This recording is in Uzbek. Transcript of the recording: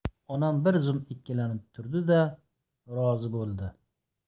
onam bir zum ikkilanib turdi da rozi bo'ldi